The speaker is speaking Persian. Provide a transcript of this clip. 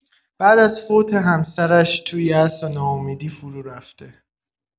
بعد از فوت همسرش تو یأس و ناامیدی فرورفته